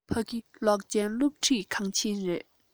ཕ གི གློག ཅན སློབ ཁྲིད ཁང ཆེན ཡིན